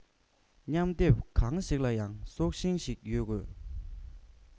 མཉམ སྡེབ གང ལ ཡང སྲོག ཤིང ཞིག ཡོད དགོས